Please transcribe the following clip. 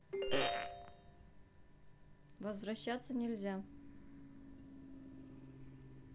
возвращаться нельзя